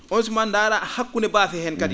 on suman ndaaraa hakkunde baafe heen kadi